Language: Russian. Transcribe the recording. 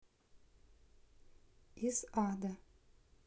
из ада